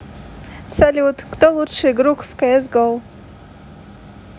салют кто лучший игрок cs go